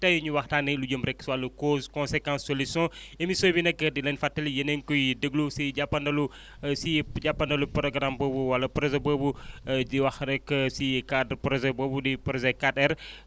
tey ñuy waxtaanee lu jëm rek si wàllu causes conséquences solutions émission bi nag di leen fàttali yéen a ngi koy déglu si jàppandalu si jàppandalu programme boobu wala projet boobu di wax rek si cadre projet boobu di projet 4R